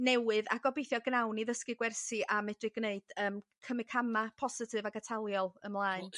newydd a gobeithio gnawn ni ddysgu gwersi a medru g'neud yym cymryd cama' positif ag ataliol ymlaen.